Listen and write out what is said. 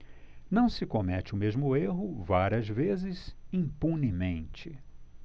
não se comete o mesmo erro várias vezes impunemente